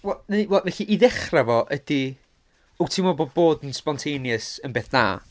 Wel, n- w- felly i ddechrau fo ydi, wyt ti'n meddwl bod bod yn sbontaneous yn beth da?